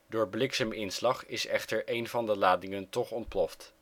Door blikseminslag is echter een van de ladingen toch ontploft